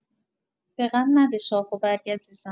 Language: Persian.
به غم نده شاخه و برگ عزیزم